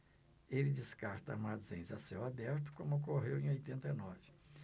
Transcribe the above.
ele descarta armazéns a céu aberto como ocorreu em oitenta e nove